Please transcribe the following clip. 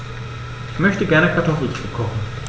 Ich möchte gerne Kartoffelsuppe kochen.